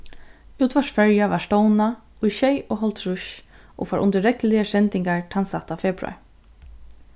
útvarp føroya varð stovnað í sjeyoghálvtrýss og fór undir regluligar sendingar tann sætta februar